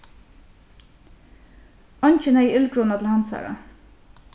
eingin hevði illgruna til hansara